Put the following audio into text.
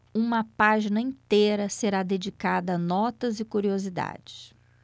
uma página inteira será dedicada a notas e curiosidades